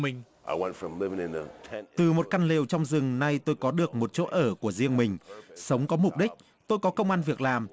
mình ở từ một căn lều trong rừng này tôi có được một chỗ ở của riêng mình sống có mục đích tôi có công ăn việc làm